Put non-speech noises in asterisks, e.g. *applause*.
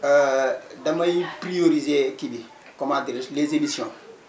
*hesitation* damay prioriser kii bi comment dirais je les émissions